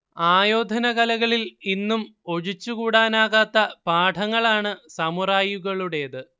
ആയോധന കലകളിൽ ഇന്നും ഒഴിച്ചുകൂടാനാകാത്ത പാഠങ്ങളാണ് സാമുറായികളുടേത്